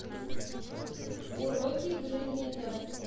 уроки игры на гитаре